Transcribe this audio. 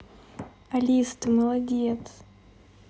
алиса ты молодец